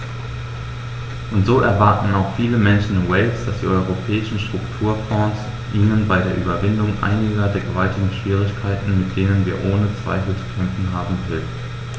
Und so erwarten auch viele Menschen in Wales, dass die Europäischen Strukturfonds ihnen bei der Überwindung einiger der gewaltigen Schwierigkeiten, mit denen wir ohne Zweifel zu kämpfen haben, hilft.